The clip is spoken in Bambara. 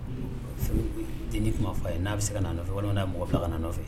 denni tun b'a fɔ a ye n'a bɛ se ka n'a nɔfɛ walima n'a bɛ mɔgɔ bila ka n'a nɔfɛ